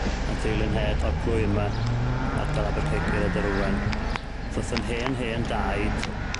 a theulu'n nhed o'r plwy yma, ardal Abercegyr a Dy'r Owen ddoth yn hen hen daid